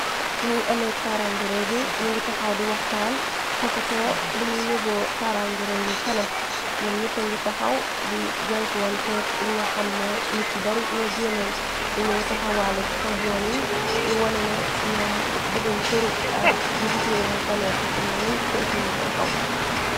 Nyi amee karangi réew bi ñi ngi taxaw di waxtaan toppatoo lañu yeboo karangi réew mi. Kanam ñoom ñëppa ngi taxaw di jànkuwoon tekk li nga xam ne ni ci bari ñoo gennoon. Di ñoo taxawaalu ci kaw ioon yi di wone ne ñoom buguñ pur a njiitireew mu fanee kafum na ni kontine di taxaw.